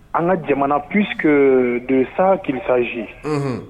An ka jamana puisque de ça qu'il s'agit unhun